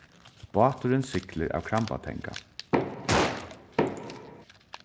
báturin siglir av krambatanga